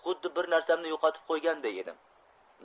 xuddi bir narsamni yo'qotib qo'yganday edim